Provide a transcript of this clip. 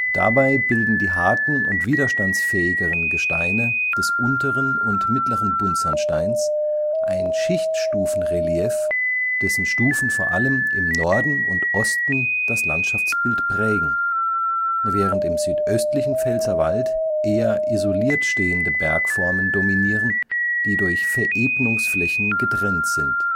Dabei bilden die harten und widerstandsfähigeren Gesteine des unteren und mittleren Buntsandsteins ein Schichtstufenrelief, dessen Stufen vor allem im Norden und Osten das Landschaftsbild prägen, während im südöstlichen Pfälzerwald eher isoliert stehende Bergformen dominieren, die durch Verebnungsflächen getrennt sind